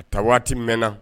Ta waati mɛnna